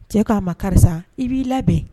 Cɛ k'a ma karisa i b'i labɛn